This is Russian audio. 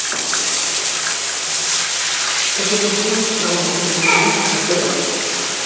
ты что тупой рома хочет меня бить каждый раз